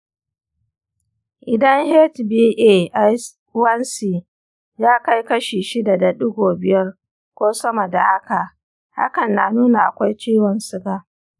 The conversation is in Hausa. idan hba1c ya kai kashi shida da digo biyar ko sama da haka, hakan na nuna akwai ciwon suga.